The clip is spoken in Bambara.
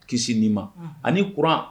Kisi'i ma ani kuran